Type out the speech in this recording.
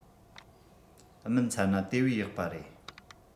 སྨིན ཚད ན དེ བས ཡག པ རེད